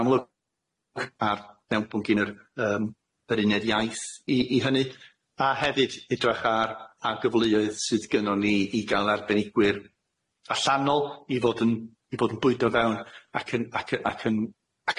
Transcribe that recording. amlwg ar mewnbwn gin yr yym yr uned iaith i i hynny a hefyd edrych ar ar gyfleoedd sydd gynnon ni i ga'l arbenigwyr allanol i fod yn i bod yn bwydo fewn ac yn ac yn ac